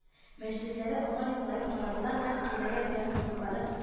Мәҗлесләре аңар елмаеп карадылар да, киная белән мыскылланып: